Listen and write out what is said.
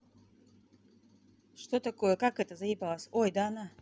что такое как это заебалась ой да на